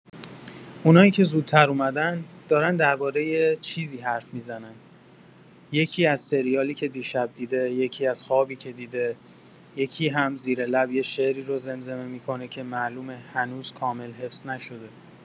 اونایی که زودتر اومدن، دارن دربارۀ چیزی حرف می‌زنن، یکی‌از سریالی که دیشب دیده، یکی‌از خوابی که دیده، یکی هم زیر لب یه شعری رو زمزمه می‌کنه که معلومه هنوز کامل حفظ نشده.